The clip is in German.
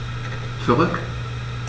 Zurück.